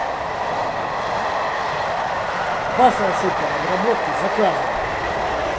ваша ошибка в обработке заказа